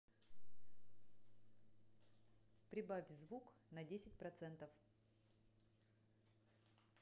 прибавь звук на десять процентов